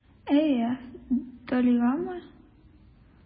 Әйе, Доллигамы?